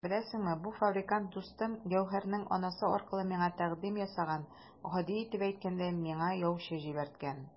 Беләсеңме, бу фабрикант дустым Гәүһәрнең анасы аркылы миңа тәкъдим ясаган, гади итеп әйткәндә, миңа яучы җибәрткән!